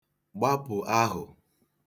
gbapụ̀ ahụ̀